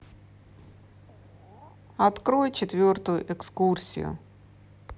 открой четвертую экскурсию